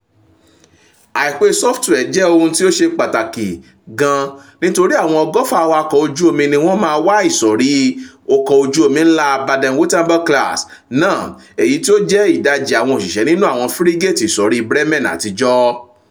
Àìpé sọ́fùtiwìà jẹ́ ohún tí ó ṣe pàtàkì gan nítorí awọn 120 awakọ̀ ojú omi ni wọ́n máa wa ìsọ̀rí ọkọ̀ ojú omi ńlá Baden-Wuerttemberg-class náà - èyí tí ó jẹ́ ìdájí àwọn òṣìṣẹ́ nínú àwọn fírígéètì ìsọ̀rí Bremen àtijọ́.